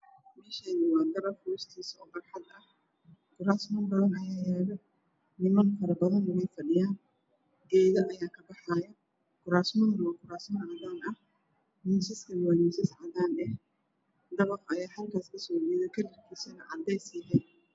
Meeshaan waa dabaq hoostiisa oo barxad ah waxaa yaala kuraasman badan niman faro badan na way fadhiyaan, geedo ayaa kabaxaayo kuraasmaduna waa kuraasmo cadaan ah miisaskuna waa cadaan dabaq ayaa halkaas kasoo jeeda kalarkiisu cadeys yahay.